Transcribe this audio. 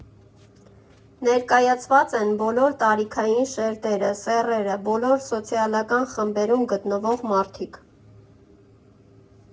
Ներկայացված են բոլոր տարիքային շերտերը, սեռերը, բոլոր սոցիալական խմբերում գտնվող մարդիկ։